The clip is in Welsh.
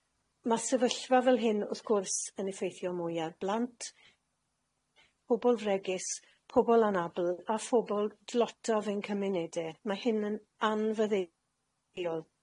Ma' sefyllfa fel hyn wrth gwrs yn effeithio mwy ar blant, pobol fregus, pobol anabl, a phobol dlotaf ein cymunede. Ma' hyn yn anfadddeuol.